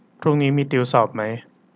พรุ่งนี้มีติวสอบมั้ย